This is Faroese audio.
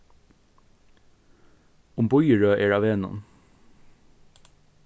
um bíðirøð er á vegnum